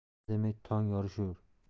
hademay tong yorishur